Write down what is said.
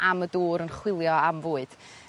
am y dŵr yn chwilio am fwyd.